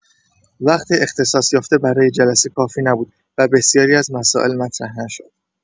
وقت اختصاص‌یافته برای جلسه کافی نبود و بسیاری از مسائل مطرح نشد.